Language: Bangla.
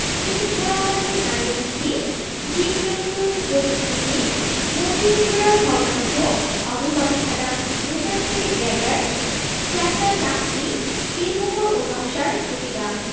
কিছু পোড়ামাটির নারীমূর্তি জীবজন্তুর প্রতিকৃতি মন্দির চূড়ার ভগ্নাংশ অগ্রভাগ ছাটা মোচাকৃতি ড্যাগার চ্যাপ্টা চাকতি সিলমোহর ও নকশার গুটিকা